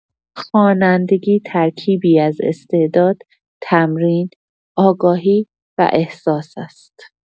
خوانندگی ترکیبی از استعداد، تمرین، آگاهی و احساس است.